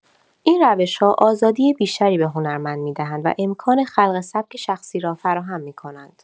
این روش‌ها آزادی بیشتری به هنرمند می‌دهند و امکان خلق سبک شخصی را فراهم می‌کنند.